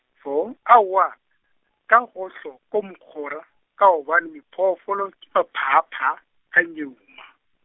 four, aowa, ka gohle ko mokhora, ka gobane phoofolo ke maphaaphaa, a nyeuma.